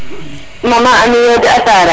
Maman Amy yo de a Sarare